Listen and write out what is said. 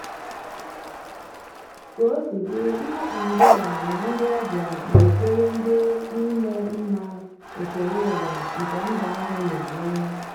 Ka o si di, ndị Angola na ndị ọbịa n'ekpori ndị n'ime mma okereụwa nke mba ahụ na-enye.